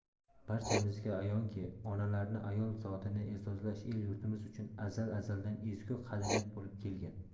barchamizga ayonki onalarni ayol zotini e'zozlash el yurtimiz uchun azal azaldan ezgu qadriyat bo'lib kelgan